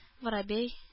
Воробей